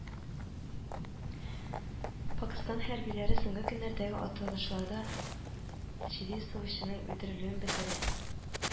Пакстан хәрбиләре соңгы көннәрдәге атышларда җиде йөз сугышчының үтерелүен белдерә